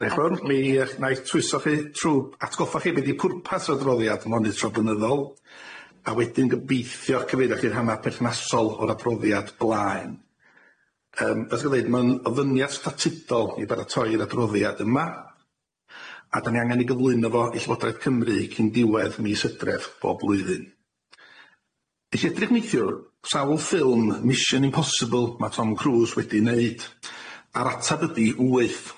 Dioch fowr mi y'ch 'na i'ch twyso chi trw atgoffa chi be di pwrpas yr adroddiad monitro blynyddol a wedyn gobeithio cyfeirio chi'r rhanna perthnasol o'r adroddiad blaen yym ddeud ma'n ofyniad statudol i baratoi'r adroddiad yma a 'dan ni angen i gyflwyno fo i llywodraeth Cymru cyn diwedd mis Hydref bob blwyddyn. Neshi edrych neithiwr sawl ffilm Mission Impossible ma' Tom Cruise wedi neud a'r atab ydi wyth.